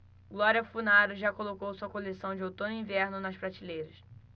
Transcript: glória funaro já colocou sua coleção de outono-inverno nas prateleiras